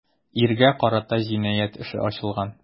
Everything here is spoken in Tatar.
Иргә карата җинаять эше ачылган.